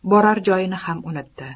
borar joyini ham unutdi